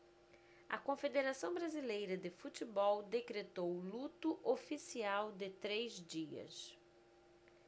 a confederação brasileira de futebol decretou luto oficial de três dias